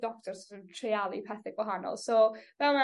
doctor so't of treialu pethe- gwahanol so fel ma'...